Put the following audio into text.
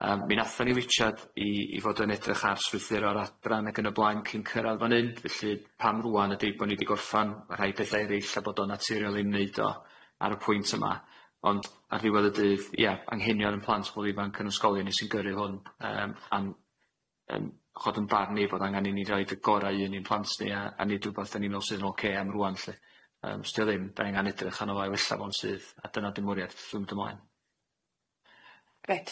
Yym mi nathon ni witsiad i i fod yn edrych ar strwythura'r adran ag yn y blaen cyn cyrradd fan 'yn felly pam rŵan ydi bo ni di gorffan rhai petha eryll a bod o'n naturiol i neud o ar y pwynt yma ond ar ddiwedd y dydd ia anghenion 'yn plant a pobol ifanc 'yn ysgolion ni sy'n gyrru hwn yym am yym ch' 'od yn barn ni fod angan i ni rhoid y gora' i un i'n plant ni a a neud wbath 'dan ni'n me'wl sydd yn ocê am rŵan lly yym 's di o ddim, 'dan ni angan edrych arno fo a'i wella fo'n syth a dyna di mwriad wrth mynd ymlaen.